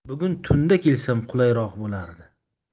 bugun tunda kelsam qulayroq bo'lardi